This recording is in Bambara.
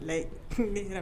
Layi kun bɛ ɲɛna